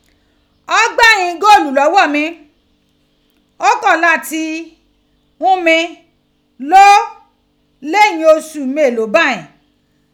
O gba àghin góòlù lọọ mi, o kọ lati ghun mi loo leyin oṣu meloo baghin.